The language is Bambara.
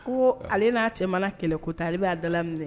Ko ale n'a cɛ kɛlɛ kota ale b'a dalainɛ